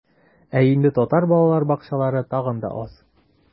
Ә инде татар балалар бакчалары тагын да аз.